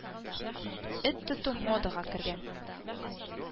Эт тоту модага кергән